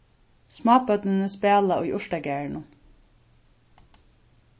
smábørnini spæla í urtagarðinum